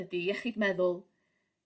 ydi iechyd meddwl